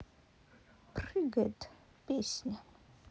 прыгает песня